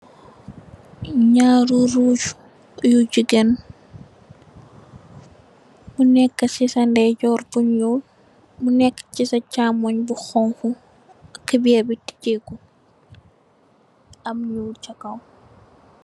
Njaaru rouuche yu gigain, bu neka cii sa ndeyjorr bu njull, bu nekue cii sa chaamongh bu honhu, couberre bii tijeh ku, am njull cha kaw.